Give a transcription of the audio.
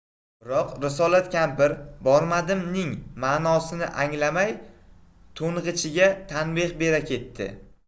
biroq risolat kampir bormadim ning ma'nosini anglamay to'ng'ichiga tanbeh bera ketdi